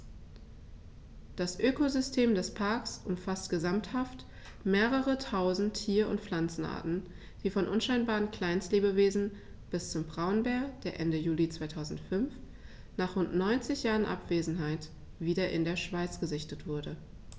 Das Ökosystem des Parks umfasst gesamthaft mehrere tausend Tier- und Pflanzenarten, von unscheinbaren Kleinstlebewesen bis zum Braunbär, der Ende Juli 2005, nach rund 90 Jahren Abwesenheit, wieder in der Schweiz gesichtet wurde.